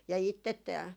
ja itse -